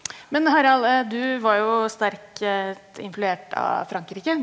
men Harald du var jo sterkt influert av Frankrike.